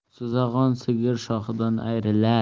suzag'on sigir shoxidan ayrilar